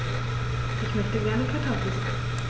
Ich möchte gerne Kartoffelsuppe.